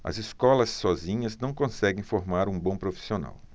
as escolas sozinhas não conseguem formar um bom profissional